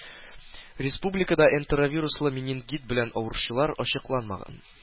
Республикада энтеровируслы менингит белән авыручылар ачыкланмаган.